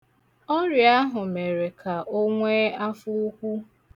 Ọrịa ahụ mere ka o nwee afọ ukwu.